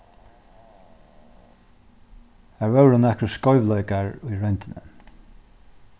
har vóru nakrir skeivleikar í royndini